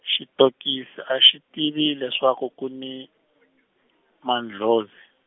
Xitokisi a xi swi tivi leswaku ku ni , mandlhozi.